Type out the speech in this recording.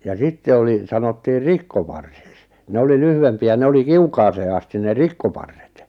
ja sitten oli sanottiin rikkoparsiksi ne oli lyhyempiä ne oli kiukaaseen asti ne rikkoparret